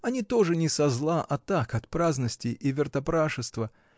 Они тоже не со зла, а так, от праздности и вертопрашества!